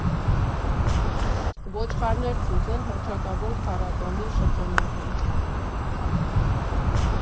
Ոչխարներ խուզել հռչակավոր փառատոնի շրջանակում։